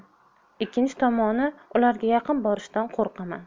ikkinchi tomoni ularga yaqin borishdan qo'rqaman